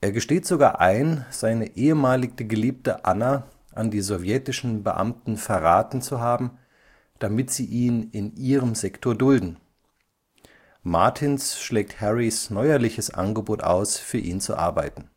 gesteht sogar ein, seine ehemalige Geliebte Anna an die sowjetischen Beamten verraten zu haben, damit sie ihn in ihrem Sektor dulden. Martins schlägt Harrys neuerliches Angebot aus, für ihn zu arbeiten